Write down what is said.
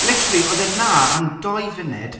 Literally, oedd e 'na am dou funud,